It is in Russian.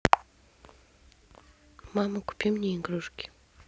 мама купи мне игрушки